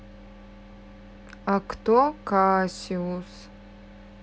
а кто кассиус